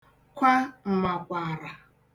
kwa m̀màkwààrà